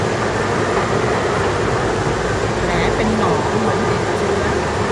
แผลเป็นหนองเหมือนติดเชื้อ